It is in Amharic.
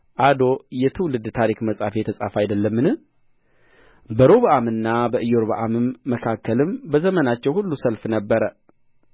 በአዶ የትውልድ ታሪክ መጽሐፍ የተጻፈ አይደለምን በሮብዓምና በኢዮርብዓም መካከልም በዘመናቸው ሁሉ ሰልፍ ነበረ